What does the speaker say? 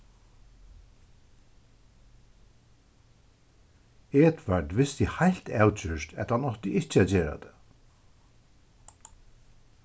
edvard visti heilt avgjørt at hann átti ikki at gera tað